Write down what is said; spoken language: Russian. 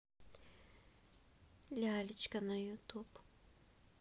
лялечка на ютуб